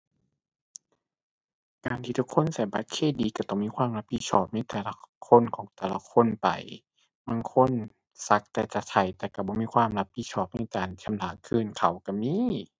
การที่ทุกคนใช้บัตรเครดิตใช้ต้องมีความรับผิดชอบในแต่ละคนของแต่ละคนไป ลางคนสักแต่จะใช้แต่ใช้บ่มีความรับผิดชอบในการชำระคืนเขาใช้มี